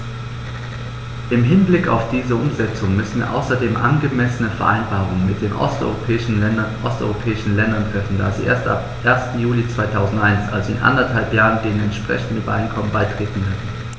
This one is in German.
Im Hinblick auf diese Umsetzung müssen wir außerdem angemessene Vereinbarungen mit den osteuropäischen Ländern treffen, da sie erst ab 1. Juli 2001, also in anderthalb Jahren, den entsprechenden Übereinkommen beitreten werden.